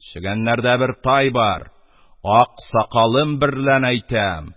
Чегәннәрдә бер тай бар, ак сакалым берлән әйтәм,